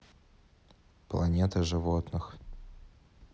планета животных